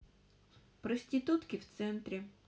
проститутки в центре